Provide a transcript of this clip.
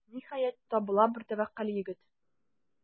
Ниһаять, табыла бер тәвәккәл егет.